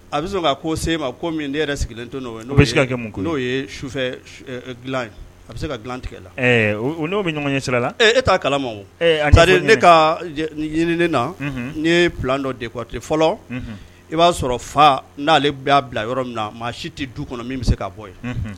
A bɛ se ko se ma ne yɛrɛ sigilen to n'o bɛ se n'o ye sufɛ dila a bɛ se ka dila tigɛ la n bɛ ɲɔgɔn ye sira la e t' kalama a ne ka ɲinin na ni ye dɔ de fɔlɔ i b'a sɔrɔ fa n'ale'a bila yɔrɔ min na maa si tɛ du kɔnɔ min bɛ se k'a bɔ yen